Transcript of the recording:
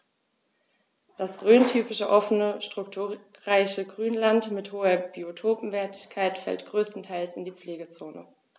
Das rhöntypische offene, strukturreiche Grünland mit hoher Biotopwertigkeit fällt größtenteils in die Pflegezone.